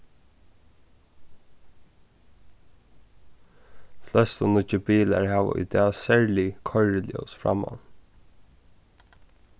flestu nýggir bilar hava í dag serlig koyriljós framman